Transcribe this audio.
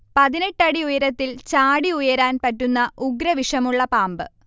പതിനെട്ട് അടിഉയരത്തിൽ ചാടി ഉയരാൻ പറ്റുന്ന ഉഗ്രവിഷമുള്ള പാമ്പ്